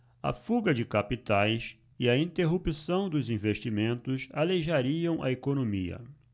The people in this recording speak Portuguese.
a fuga de capitais e a interrupção dos investimentos aleijariam a economia